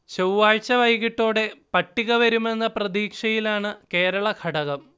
ചൊവ്വാഴ്ച വൈകിട്ടോടെ പട്ടിക വരുമെന്ന പ്രതീക്ഷയിലാണ് കേരളഘടകം